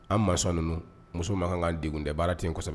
An mansɔn ninnu muso ma kan k'an degun dɛ, baara ten in kɔsɛbɛ.